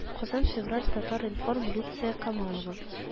-- казан февраль татар-информ люция камалова